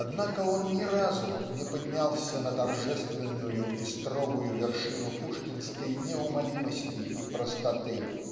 однако он ни разу не поднялся на торжественную и строгую вершину пушкинской неумолимости и простоты.